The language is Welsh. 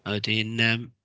A wedyn yym...